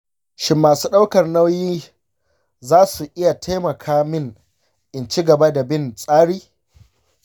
shin masu ɗaukar nauyi za su iya taimaka min in ci gaba da bin tsari?